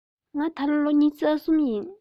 ང ད ལོ ལོ ཉི ཤུ རྩ གསུམ ཡིན